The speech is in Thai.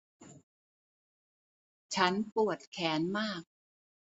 ฉันปวดแขนมาก